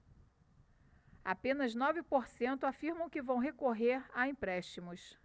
apenas nove por cento afirmam que vão recorrer a empréstimos